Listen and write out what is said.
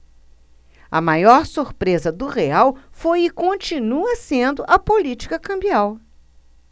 a maior surpresa do real foi e continua sendo a política cambial